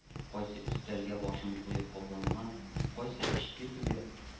Кайсы өстәлгә башын куеп капланган, кайсы эчке түгә